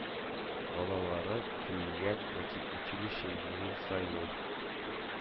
Балалары көллият яки училище юлын сайлый.